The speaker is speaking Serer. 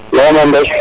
maxey men rek